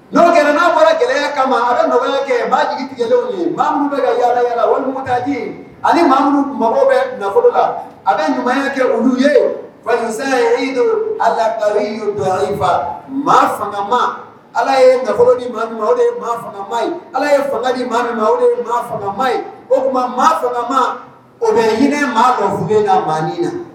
Kɛ n'a fɔra gɛlɛya kama a bɛ nɔgɔya kɛ' jigin tigɛ ye mamudu bɛ ka yaa laji ani mamudu maa bɛ nafolo la a bɛ ɲumanya kɛ olu ye fa ye a laka infa maa fanga ala ye nafolo ni o fangamaye ala ye fanga di maa min o de maa fanga maye o tuma maa fangama o bɛ hinɛ maa maa na